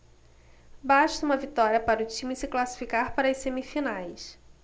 basta uma vitória para o time se classificar para as semifinais